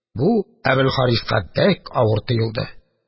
Бу — Әбелхариска бик авыр тоелды.